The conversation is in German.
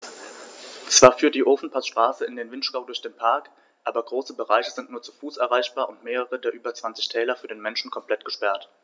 Zwar führt die Ofenpassstraße in den Vinschgau durch den Park, aber große Bereiche sind nur zu Fuß erreichbar und mehrere der über 20 Täler für den Menschen komplett gesperrt.